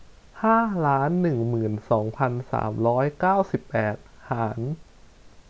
ห้าล้านหนึ่งหมื่นสองพันสามร้อยเก้าสิบแปดหาร